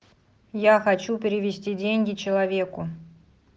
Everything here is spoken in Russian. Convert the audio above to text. я хочу перевести деньги человеку